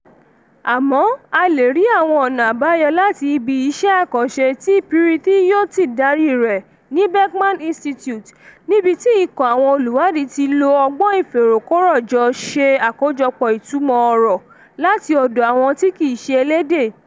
Àmọ̀ a lè rí àwọn ọ̀nà àbáyọ láti ibi iṣẹ́ àkànṣe tí Preethi Jyothi darí rẹ̀ ní Beckman Institute, níbi tí ikọ̀ àwọn olùwádìí ti lo ọgbọ́n ìfèròkọ́rọ̀jọ ṣe àkójọpọ̀ ìtumọ̀ ọ̀rọ̀ láti ọ̀dọ̀ àwọn tí kìí ṣe elédè.